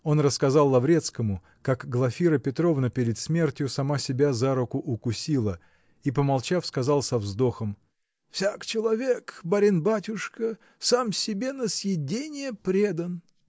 Он рассказал Лаврецкому, как Глафира Петровна перед смертью сама себя за руку укусила, -- и, помолчав, сказал со вздохом: "Всяк человек, барин-батюшка, сам себе на съедение предан".